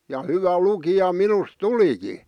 ja hyvä lukija minusta tulikin